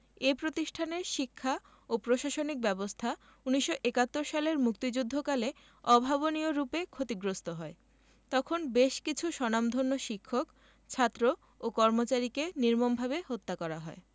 এ প্রতিষ্ঠানের শিক্ষা ও প্রশাসনিক ব্যবস্থা ১৯৭১ সালের মুক্তিযুদ্ধকালে অভাবনীয়রূপে ক্ষতিগ্রস্ত হয় তখন বেশ কিছু স্বনামধন্য শিক্ষক ছাত্র ও কর্মচারীকে নির্মমভাবে হত্যা করা হয়